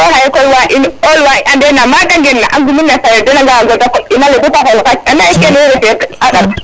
soko koy xaye koy wa in olwa i ander na made ngen na a ngimina sareet den a ngara a mbeta koɓ inale bata xool qac ande kene yo refe a ɗat